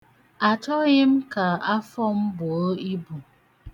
Achọghị m ka afọ m buo ibu.